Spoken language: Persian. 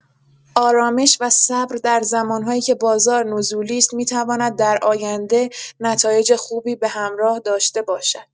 آرامش و صبر در زمان‌هایی که بازار نزولی است، می‌تواند در آینده نتایج خوبی به همراه داشته باشد.